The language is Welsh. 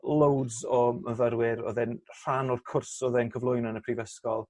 loads o myfyrwyr o'dd e'n rhan o'r cwrs o'dd e'n cyflwyno yn y prifysgol